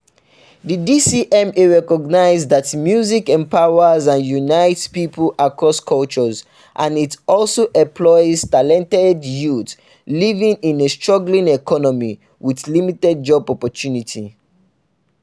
The DCMA recognizes that music empowers and unites people across cultures — and it also employs talented youth living in a struggling economy with limited job opportunities.